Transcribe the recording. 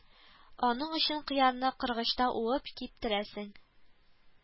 Аның өчен кыярны кыргычта уып, киптерәсең